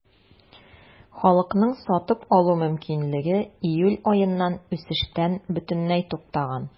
Халыкның сатып алу мөмкинлеге июль аеннан үсештән бөтенләй туктаган.